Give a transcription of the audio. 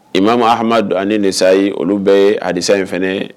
Imamu Ahamadu ani Nisayi olu bɛɛ ye adisa in fana ye